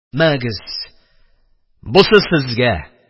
– мәгез, бусы сезгә!